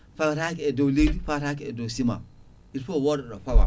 fawetake e dow leydi fawetake e dow ciment il faut woda ɗo fawa